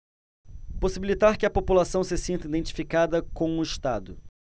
possibilitar que a população se sinta identificada com o estado